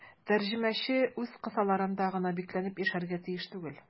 Тәрҗемәче үз кысаларында гына бикләнеп яшәргә тиеш түгел.